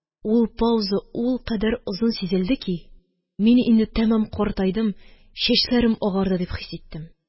Ул пауза ул кадәр озын сизелде ки, мин инде тәмам картайдым, чәчләрем агарды дип хис иттем